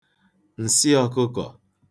ǹsị ọ̄kụ̄kọ̀